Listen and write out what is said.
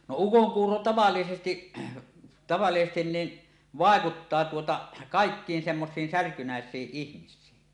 no ukonkuuro tavallisesti tavallisesti niin vaikuttaa tuota kaikkiin semmoisiin särkynäisiin ihmisiin